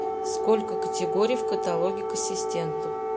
сколько категорий в каталоге к ассистенту